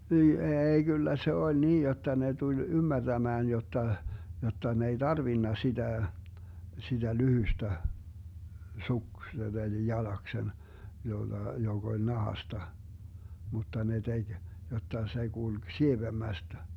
niin ei kyllä se oli niin jotta ne tuli ymmärtämään jotta jotta ne ei tarvinnut sitä sitä lyhyistä suksen eli jalaksen jolla joka oli nahasta mutta ne teki jotta se kulki sievemmästä